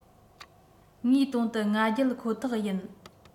ངའི དོན དུ ང རྒྱལ ཁོ ཐག ཡིན